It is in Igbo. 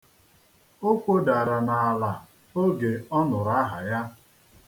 O kwodara n'ala oge ọ nụrụ aha ya.